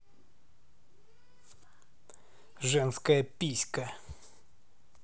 женская писька